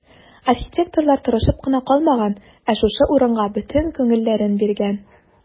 Архитекторлар тырышып кына калмаган, ә шушы урынга бөтен күңелләрен биргән.